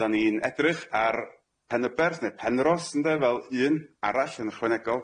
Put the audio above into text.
Dan ni'n edrych ar Penyberth ne Penros ynde fel un arall yn ychwanegol.